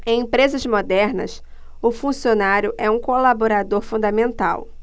em empresas modernas o funcionário é um colaborador fundamental